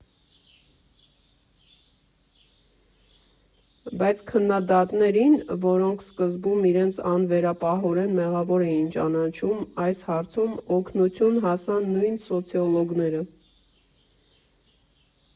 Բայց քննադատներին, որոնք սկզբում իրենց անվերապահորեն մեղավոր էին ճանաչում այս հարցում, օգնություն հասան նույն սոցիոլոգները։